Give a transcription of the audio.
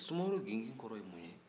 sumaworo gigin kɔrɔ ye mun ye